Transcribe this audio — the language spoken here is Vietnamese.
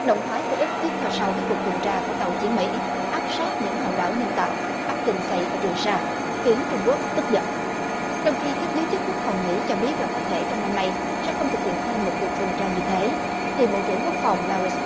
động thái của úc tiếp theo sau các cuộc tuần tra của tàu chiến mỹ áp sát những hòn đảo nhân tạo bắc kinh sây ở trường sa khiến trung quốc tức giận trong khi các giới chức quốc phòng mỹ cho biết là có thể trong năm nay sẽ không thực hiện thêm một cuộc tuần tra như thế thì bộ trưởng quốc phòng ba ri